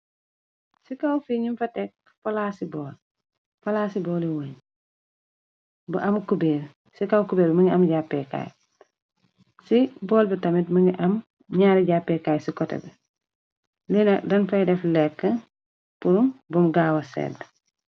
Ci kaw fi ñu fa tekk palaasi bool palaasi booli woñ bu am kuber ci kaw cubeer më ngi am jàppekaay ci bool bi tamit më nga am ñaari jàppekaay ci kote bi lina dan fay def lekk pur bam gaawa sedd.